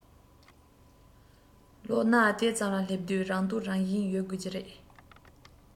ལོ ན དེ ཙམ ལ སླེབས དུས རང རྟོགས རང བཞིན ཡོད དགོས ཀྱི རེད